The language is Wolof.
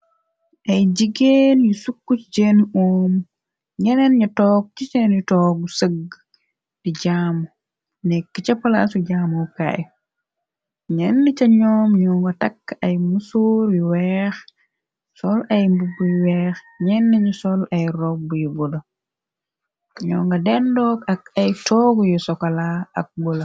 Ay jigéen yu sukk ci sen oom ñeneen ña toog ci seenu toogu sëgg di jaamu nekk ca palaasu jaamokaay ñenn ca ñoom ñoo nga takk ay mësoor yu weex sool ay mbubuy weex ñenn ñu sol ay robu yu guda ñoo nga dendoog ak ay toogu yu sokola ak bula.